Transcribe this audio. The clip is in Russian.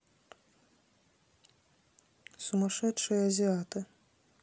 сумасшедшие азиаты